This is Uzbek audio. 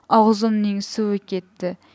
og'zimning suvi kep ketdi